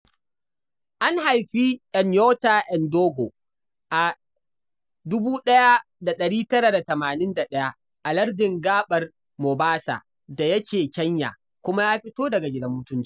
An haifi Nyota Ndogo a 1981 a lardin gaɓar Mobasa da yake Kenya kuma ya fito daga gidan mutunci.